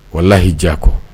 Wala lahii diyakɔ